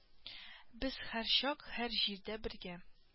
Без һәрчак һәр җирдә бергә